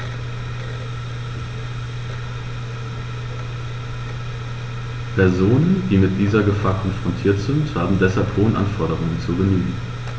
Personen, die mit dieser Gefahr konfrontiert sind, haben deshalb hohen Anforderungen zu genügen.